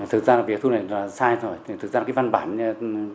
thực ra việc thu này là sai rồi thì thực ra cái văn bản